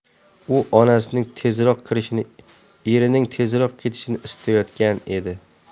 u onasining tezroq kirishini erining tezroq ketishini istayotgan edi